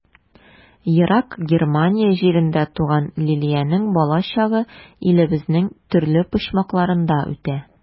Ерак Германия җирендә туган Лилиянең балачагы илебезнең төрле почмакларында үтә.